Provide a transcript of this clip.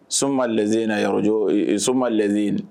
Soma e in na yɔrɔjo soma ze in